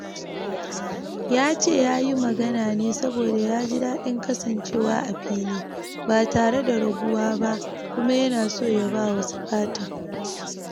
Ya ce ya yi magana ne saboda ya ji daɗin kasancewa a fili ba tare da raguwa ba kuma yana so ya ba wasu "fata".